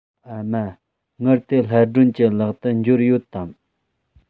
ཨ མ དངུལ དེ ལྷ སྒྲོན གྱི ལག ཏུ འབྱོར ཡོད དམ